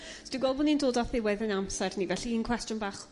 Dwi gwel' bo' ni'n dod at ddiwedd 'yn amser ni felly un cwestiwn bach